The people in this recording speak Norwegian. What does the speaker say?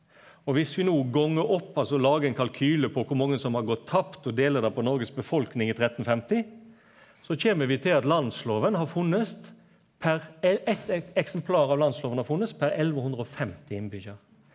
og viss vi nå gongar opp altså lagar ein kalkyle på kor mange som har gått tapt og deler det på Noregs befolkning i 1350 så kjem vi til at landsloven har funnest per eitt eksemplar av landsloven har funnest per 1150 innbyggjarar.